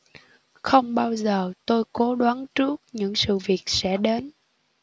không bao giờ tôi cố đoán trước những sự việc sẽ đến